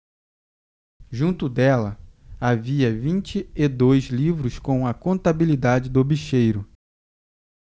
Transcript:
junto dela havia vinte e dois livros com a contabilidade do bicheiro